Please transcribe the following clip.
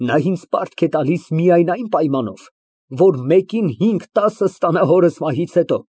Նա ինձ պարտք է տալիս միայն այն պայմանով, որ մեկին հինգ֊տասը ստանա հորս մահից հետո։